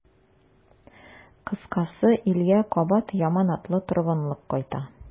Кыскасы, илгә кабат яманатлы торгынлык кайта.